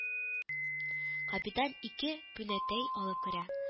Капитан ике пүнәтәй алып керә